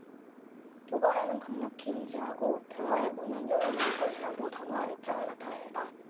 도발에는 강력히 응징하고 대화의 문은 열어 놓을 것이라고 단호한 입장을 나타냈다